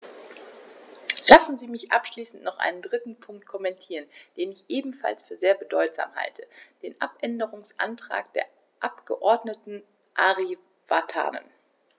Lassen Sie mich abschließend noch einen dritten Punkt kommentieren, den ich ebenfalls für sehr bedeutsam halte: den Abänderungsantrag des Abgeordneten Ari Vatanen.